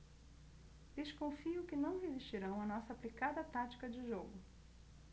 desconfio que não resistirão à nossa aplicada tática de jogo